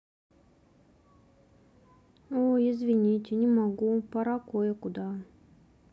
ой извините не могу пора кое куда